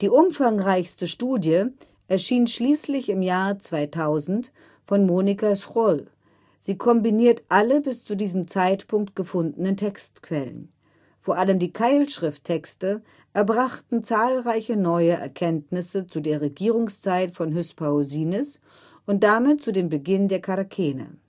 umfangreichste Studie erschien schließlich im Jahr 2000 von Monika Schuol. Sie kombiniert alle bis zu diesem Zeitpunkt gefundenen Textquellen. Vor allem die Keilschrifttexte erbrachten zahlreiche neue Erkenntnisse zu der Regierungszeit von Hyspaosines und damit zu dem Beginn der Charakene